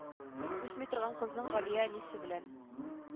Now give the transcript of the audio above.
Үсми торган кызның галия әнисе белән